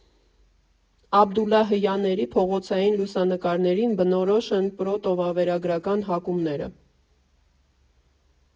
Աբդուլլահյանների փողոցային լուսանկարներին բնորոշ են պրոտո֊վավերագրական հակումները։